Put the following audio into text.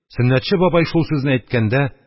Сөннәтче бабай шул сүзне әйткәндә